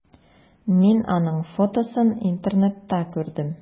Мин аның фотосын интернетта күрдем.